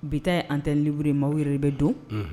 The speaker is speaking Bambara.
Bi an tɛ bururi maaw yɛrɛ bɛ don